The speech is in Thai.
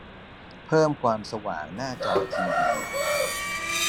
เพิ่มความสว่างหน้าจอทีวี